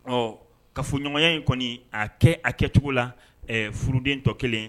Ɔ ka fɔɲɔgɔnya in kɔni a kɛ a kɛcogo la furuden tɔ kelen